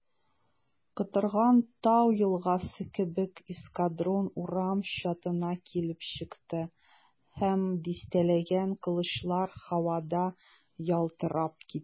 Котырган тау елгасы кебек эскадрон урам чатына килеп чыкты, һәм дистәләгән кылычлар һавада ялтырап китте.